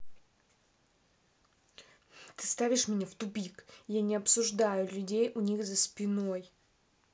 ты ставишь меня в тупик я не обсуждаю людей у них за спиной